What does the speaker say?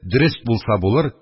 Дөрест булса булыр,